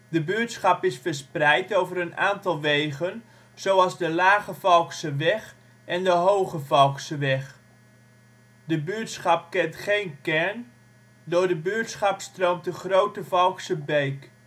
De buurtschap is verspreid over een aantal wegen zoals de Lage Valkseweg en de Hoge Valkseweg. De buurtschap kent geen kern. Door de buurtschap stroomt de Groote Valksche Beek